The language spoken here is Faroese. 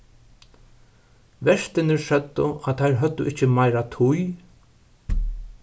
vertirnir søgdu at teir høvdu ikki meira tíð